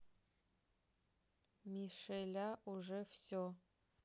мишеля уже все